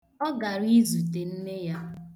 Ọ gara izute nne ya .